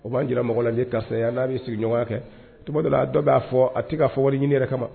O b'an jira mɔgɔla ye ta ye n'a y'i sigiɲɔgɔn kɛ to dɔ dɔ b'a fɔ a tɛ k'a fɔ wari ɲini yɛrɛ kama